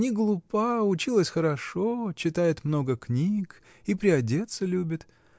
Не глупа, училась хорошо, читает много книг и приодеться любит.